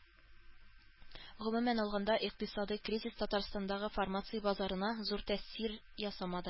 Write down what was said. Гомумән алганда, икътисадый кризис Татарстандагы фармация базарына зур тәэсир ясамады